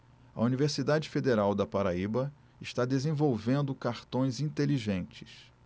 a universidade federal da paraíba está desenvolvendo cartões inteligentes